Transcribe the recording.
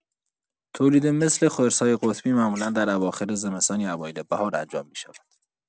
تولید مثل خرس‌های قطبی معمولا در اواخر زمستان یا اوایل بهار انجام می‌شود.